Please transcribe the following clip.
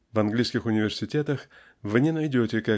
В английских университетах вы не найдете